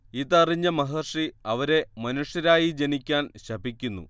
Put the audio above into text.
ഇതറിഞ്ഞ മഹർഷി അവരെ മനുഷ്യരായി ജനിക്കാൻ ശപിക്കുന്നു